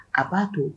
A b'a to